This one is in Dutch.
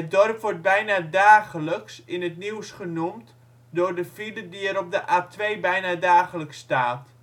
dorp wordt bijna dagelijks in het nieuws genoemd door de file die er op de A2 bijna dagelijks staat